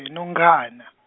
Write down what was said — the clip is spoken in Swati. ne nonkhana.